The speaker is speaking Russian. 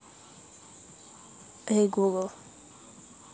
эй google